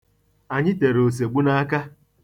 Anyị tere osegbu n'aka.